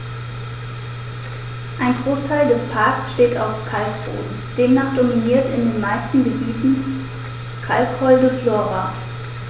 Ein Großteil des Parks steht auf Kalkboden, demnach dominiert in den meisten Gebieten kalkholde Flora.